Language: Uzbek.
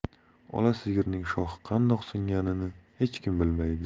ola sigirning shoxi qandoq singanini hech kim bilmaydi